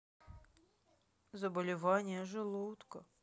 заболевание желудка